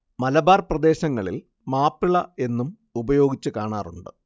മലബാർ പ്രദേശങ്ങളിൽ മാപ്പിള എന്നും ഉപയോഗിച്ചു കാണാറുണ്ട്